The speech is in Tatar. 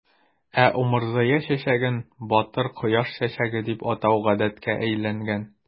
Ә умырзая чәчәген "батыр кояш чәчәге" дип атау гадәткә әйләнгән.